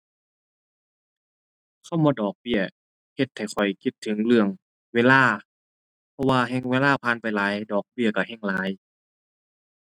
คำว่าดอกเบี้ยเฮ็ดให้ข้อยคิดถึงเรื่องเวลา เพราะว่าแฮ่งเวลาผ่านไปหลาย ดอกเบี้ยก็แฮ่งหลาย